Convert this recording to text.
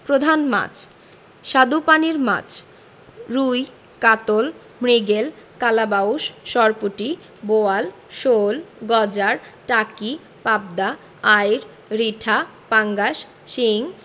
প্রধান মাছঃ স্বাদুপানির মাছ রুই কাতল মৃগেল কালবাউস সরপুঁটি বোয়াল শোল গজার টাকি পাবদা আইড় রিঠা পাঙ্গাস শিং